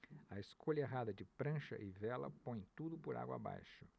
a escolha errada de prancha e vela põe tudo por água abaixo